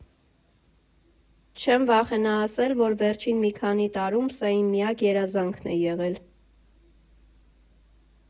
Չեմ վախենա ասել, որ վերջին մի քանի տարում սա իմ միակ երազանքն է եղել։